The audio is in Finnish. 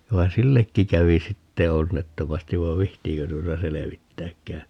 vaan sillekin kävi sitten onnettomasti vaan viitsiikö tuota selvittääkään